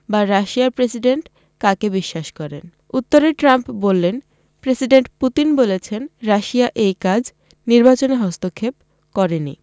বা রাশিয়ার প্রেসিডেন্ট কাকে বিশ্বাস করেন উত্তরে ট্রাম্প বললেন প্রেসিডেন্ট পুতিন বলেছেন রাশিয়া এই কাজ নির্বাচনে হস্তক্ষেপ করেনি